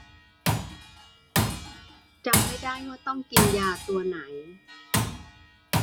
จำไม่ได้ว่าต้องกินยาตัวไหน